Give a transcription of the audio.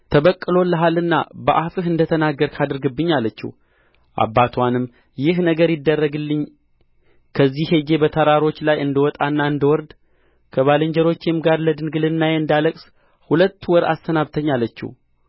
ተበቅሎልሃልና በአፍህ እንደ ተናገርህ አድርግብኝ አለችው አባትዋንም ይህ ነገር ይደረግልኝ ከዚህ ሄጄ በተራሮች ላይ እንድወጣና እንድወርድ ከባልንጀሮቼም ጋር ለድንግልናዬ እንዳለቅስ ሁለት ወር አሰናብተኝ አለችው